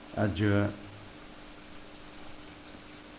adjø